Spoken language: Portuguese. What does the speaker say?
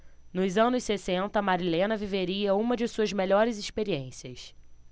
nos anos sessenta marilena viveria uma de suas melhores experiências